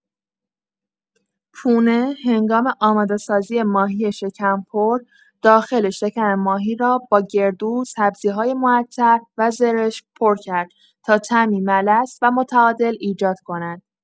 پونه هنگام آماده‌سازی ماهی شکم‌پر، داخل شکم ماهی را با گردو، سبزی‌های معطر و زرشک پر کرد تا طعمی ملس و متعادل ایجاد کند.